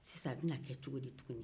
a bɛna ke cogo di tuguni